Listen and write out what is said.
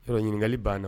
Sɔrɔ ɲininkali banna